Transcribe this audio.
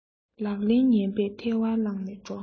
ལག ལེན ངན པས ཐལ བ བསླངས ནས འགྲོ